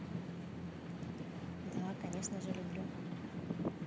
да конечно же люблю